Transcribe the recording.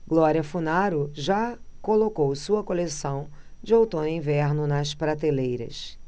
glória funaro já colocou sua coleção de outono-inverno nas prateleiras